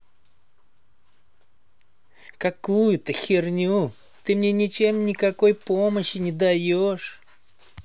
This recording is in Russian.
какую то херню ты мне ничем никакой помощи не даешь